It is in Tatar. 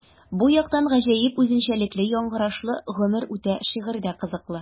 Бу яктан гаҗәеп үзенчәлекле яңгырашлы “Гомер үтә” шигыре дә кызыклы.